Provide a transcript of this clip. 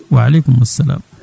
waleykumu salam